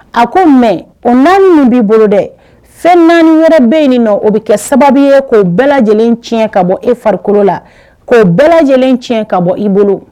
A ko mɛ o naani minnu b'i bolo dɛ fɛn naani yɛrɛ bɛ nin nɔ o bɛ kɛ sababu ye k'o bɛɛ lajɛlen tiɲɛ ka bɔ e farikolo la k'o bɛɛ lajɛlen tiɲɛ ka bɔ i bolo